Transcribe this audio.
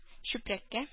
Чүпрәккә